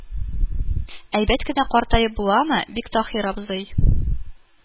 Әйбәт кенә картаеп буламы, Биктаһир абзый